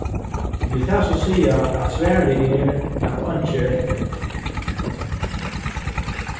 vil tað so siga at svarið er at einki er eftir